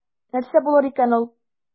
Нәрсә булыр икән ул?